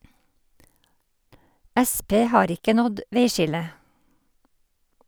Sp har ikke nådd veiskillet.